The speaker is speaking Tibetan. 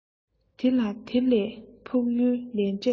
དེ ལ དེ ལས ཕུགས ཡུལ ལས འབྲས ཡང